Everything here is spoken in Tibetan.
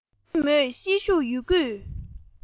ཙི ཙི མོས ཤེད ཤུགས ཡོད རྒུས